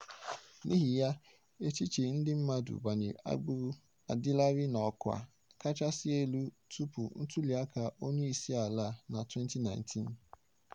N'ihi ya, echiche ndị mmadụ banyere agbụrụ adịlarị n'ọkwa kachasị elu tupu ntụliaka onyeisiala na 2019.